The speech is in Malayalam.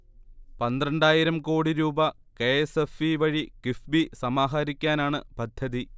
പന്ത്രണ്ടായിരം കോടിരൂപ കെ. എസ്. എഫ്. ഇ വഴി കിഫ്ബി സമാഹരിക്കാനാണ് പദ്ധതി